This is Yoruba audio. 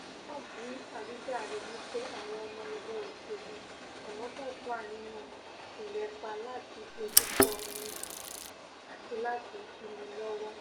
Trump wí àwíjàre wí pé àwọn ọmọ ẹgbẹ́ òṣèlú Democrat wà nínú ìlépa láti ''dojúkọ̀ni àti láti dínilọ́wọ̀.''